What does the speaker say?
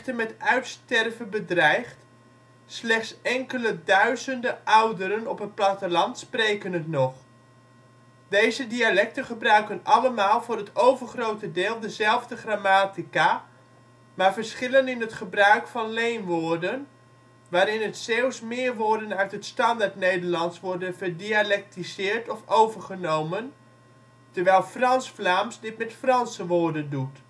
met uitsterven bedreigd; slechts enkele duizenden ouderen op het platteland spreken het nog. Zie ook Bedreigde taal en Dode taal Deze dialecten gebruiken allemaal voor het overgrote deel dezelfde grammatica, maar verschillen in het gebruik van (leen) woorden, waar in het Zeeuws meer woorden uit het Standaardnederlands worden verdialectiseerd of overgenomen, terwijl Frans-Vlaams dit met Franse woorden doet